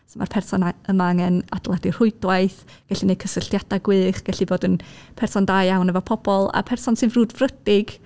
So mae'r person a- yma angen adeiladu rhwydwaith, gallu wneud cysylltiadau gwych, gallu bod yn person da iawn efo pobl a person sy'n frwdfrydig...